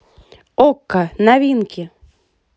окко новинки